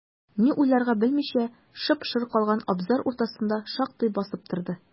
Ни уйларга белмичә, шып-шыр калган абзар уртасында шактый басып торды.